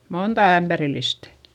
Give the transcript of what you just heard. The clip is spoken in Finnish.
monta ämpärillistä